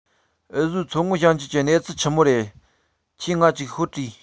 འུ བཟོའི མཚོ སྔོན ཞིང ཆེན གི གནས ཚུལ ཆི མོ རེད ཁྱོས ངའ ཅིག ཤོད དྲེས